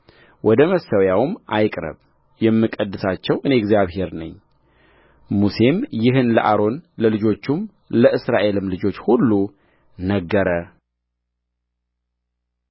ወደ መሠዊያውም አይቅረብ የምቀድሳቸው እኔ እግዚአብሔር ነኝሙሴም ይህን ለአሮን ለልጆቹም ለእስራኤልም ልጆች ሁሉ ነገረ